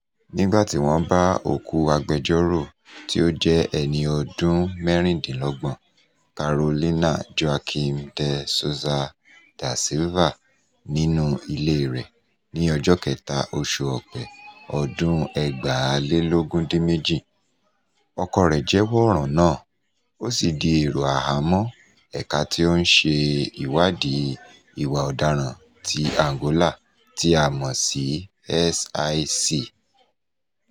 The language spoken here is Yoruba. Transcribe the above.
Nígbà tí wọ́n bá òkú agbẹjọ́rò tí ó jẹ́ ẹni ọdún 26, Carolina Joaquim de Sousa da Silva nínú ilée rẹ̀ ní ọjọ́ 3, oṣù Ọ̀pẹ ọdún 2018, ọkọ rẹ̀ jẹ́wọ́ ọ̀ràn náà, ó sì di èrò àhámọ̀ ẹ̀ka tí ó ń ṣe ìwádìí ìwà ọ̀daràn ti Angola tí a mọ̀ sí SIC.